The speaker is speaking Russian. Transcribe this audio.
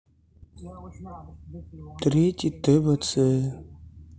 третий твц